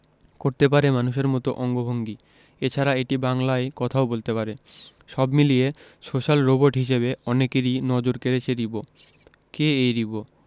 করতে পারে মানুষের মতো অঙ্গভঙ্গি এছাড়া এটি বাংলায় কথাও বলতে পারে সব মিলিয়ে সোশ্যাল রোবট হিসেবে অনেকেরই নজর কেড়েছে রিবো কে এই রিবো